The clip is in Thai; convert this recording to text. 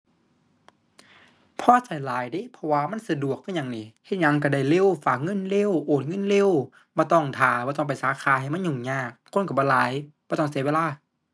พอใจหลายเดะ เพราะว่ามันสะดวกคือหยังนี่ เฮ็ดหยังก็ได้เร็ว ฝากเงินเร็ว โอนเงินเร็ว บ่ต้องท่า บ่ต้องไปสาขาให้มันยุ่งยาก คนก็บ่หลาย บ่ต้องเสียเวลา